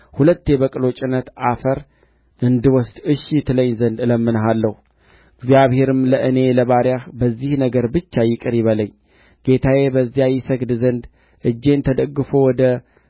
በፊቱ የቆምሁት ሕያው እግዚአብሔርን አልቀበልም አለ ይቀበለውም ዘንድ ግድ አለው እርሱ ግን እንቢ አለ ንዕማንም እኔ ባሪያህ ከእንግዲህ ወዲህ ከእግዚአብሔር በቀር ለሌሎች አማልክት የሚቃጠል መሥዋዕት ወይም ሌላ መሥዋዕት አላቀርብምና